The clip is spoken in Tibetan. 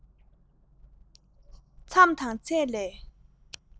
མཚམས དང ཚད ལས